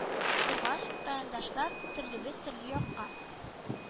Торгач, райондашлар төрлебез төрле якка